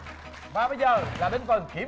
và bây giờ là đến phần điểm